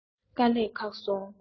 དཀའ ལས ཁག སོང